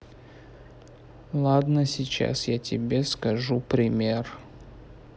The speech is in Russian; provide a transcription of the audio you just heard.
ладно сейчас я тебе скажу пример